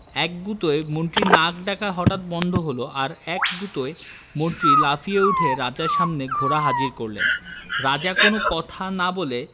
এক গুতোয় মন্ত্রীর নাক ডাকা হঠাৎ বন্ধ হল আর এক গুতোয় মন্ত্রী লাফিয়ে উঠে রাজার সামনে ঘোড়া হাজির করলেন রাজা কোন কথা না বলে